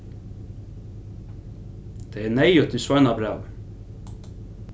tað er neyðugt við sveinabrævi